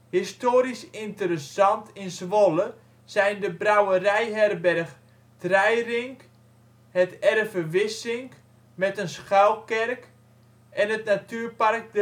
Historisch interessant in Zwolle zijn de brouwerij-herberg "' t Reirinck ", het erve Wissinck, met een schuilkerk, en het natuurpark